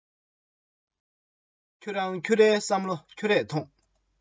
སོ སོའི ནམ དུས སོ སོས བསྐྱལ ནས འགྲོ